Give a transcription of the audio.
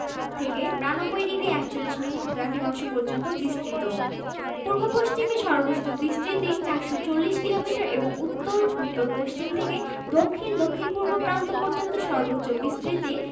সরকারি নামঃ গণপ্রজাতন্ত্রী বাংলাদেশ রাজধানীঃ ঢাকা সরকারঃ সংসদীয় সরকার ব্যবস্থা রাষ্ট্রপতি রাষ্ট্রপ্রধানের দায়িত্ব পালন করেন এবং প্রধানমন্ত্রী সরকার প্রধানের দায়িত্ব পালন করেন